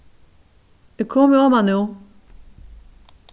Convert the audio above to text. eg komi oman nú